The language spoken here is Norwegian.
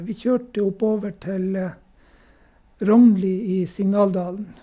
Vi kjørte oppover til Rognli i Signaldalen.